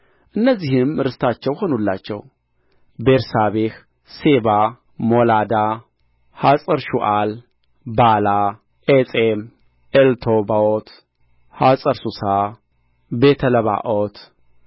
እነዚህም ርስታቸው ሆኑላቸው ቤርሳቤህ ሤባ ሞላዳ ሐጸርሹዓል ባላ ዔጼም ኤልቶላድ በቱል ሔርማ ጺቅላግ ቤትማርካቦት ሐጸርሱሳ ቤተ ለባኦት